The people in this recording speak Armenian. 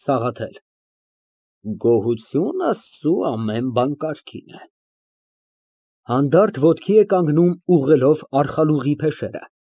ՍԱՂԱԹԵԼ ֊ Գոհություն Աստծու, ամեն բան կարգին է։ (Հանդարտ ոտքի է կանգնում, ուղղելով արխալուղի փեշերը)։